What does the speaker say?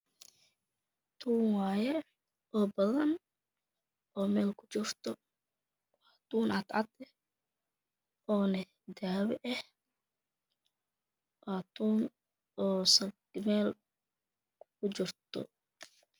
Toon weyeh oo badan oo meel kujirto waa toon cad cad ee leh dahabi eh waa toon oo meel kujirto